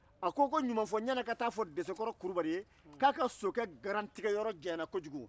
a ko ko ɲumanfɔ-n-ɲɛna ka taa a fɔ desekɔrɔ kulubali ye k'a ka sokɛ garantigɛyɔrɔ janyara kojugu